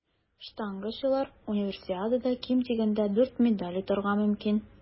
Штангачылар Универсиадада ким дигәндә дүрт медаль отарга мөмкин.